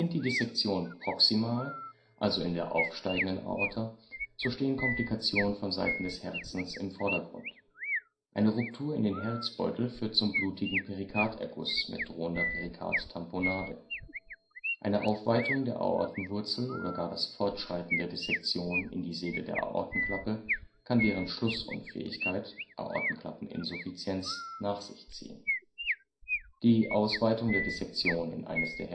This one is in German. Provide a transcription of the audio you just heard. die Dissektion proximal, also in der aufsteigenden Aorta, so stehen Komplikationen von Seiten des Herzens im Vordergrund. Eine Ruptur in den Herzbeutel führt zum blutigen Perikarderguss mit drohender Perikardtamponade. Eine Aufweitung der Aortenwurzel oder gar das Fortschreiten der Dissektion in die Segel der Aortenklappe kann deren Schlussunfähigkeit (Aortenklappeninsuffizienz) nach sich ziehen. Die Ausweitung der Dissektion in eines der